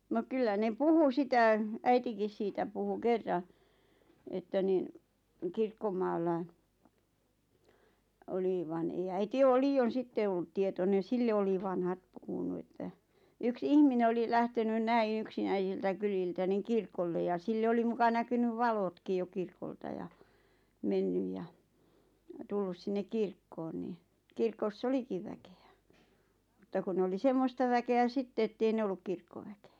no kyllä ne puhui sitä äitikin siitä puhui kerran että niin kirkkomaalla oli vaan ei äiti ole liioin sitten ollut tietoinen sille oli vanhat puhunut että yksi ihminen oli lähtenyt näin yksinäisiltä kyliltä niin kirkolle ja sille oli muka näkynyt valotkin jo kirkolta ja mennyt ja tullut sinne kirkkoon niin kirkossa olikin väkeä mutta kun ne oli semmoista väkeä sitten että ei ne ollut kirkkoväkeä